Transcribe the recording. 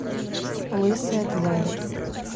лысая тварь